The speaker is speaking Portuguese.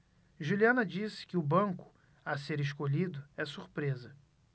juliana disse que o banco a ser escolhido é surpresa